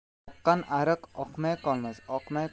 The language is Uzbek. oqqan ariq oqmay qolmas oqmay